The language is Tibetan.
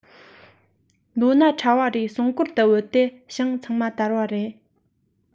ལོ ན ཕྲ བ རེ ཟུང གོང དུ བུད དེ བྱིངས ཚང མ དར མ རེད